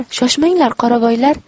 shoshmanglar qoravoylar